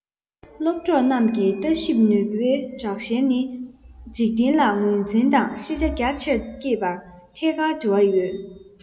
སློབ གྲོགས རྣམས ཀྱི ལྟ ཞིབ ནུས པའི དྲག ཞན ནི འཇིག རྟེན ལ ངོས འཛིན དང ཤེས བྱ རྒྱ ཆེར བསྐྱེད པར ཐད ཀར འབྲེལ བ ཡོད